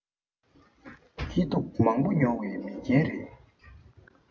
སྐྱིད སྡུག མང པོ མྱོང བའི མི རྒན རེད